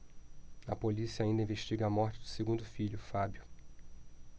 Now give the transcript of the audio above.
a polícia ainda investiga a morte do segundo filho fábio